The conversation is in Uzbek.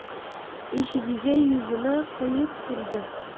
eshigiga yuzini qo'yib turdi